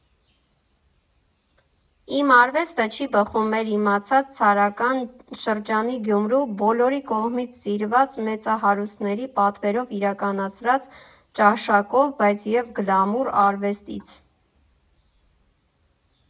Իմ արվեստը չի բխում մեր իմացած ցարական շրջանի Գյումրու՝ բոլորի կողմից սիրված մեծահարուստների պատվերով իրականացրած ճաշակով, բայց և գլամուր արվեստից։